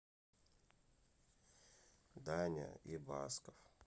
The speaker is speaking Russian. даня и басков